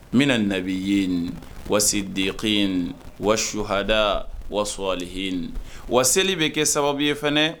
wa seli bɛ kɛ sababu ye fana.